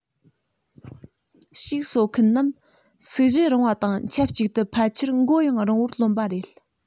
ཕྱུགས གསོ མཁན རྣམས སུག བཞི རིང བ དང ཆབས ཅིག ཏུ ཕལ ཆེར མགོ ཡང རིང བར རློམ པ རེད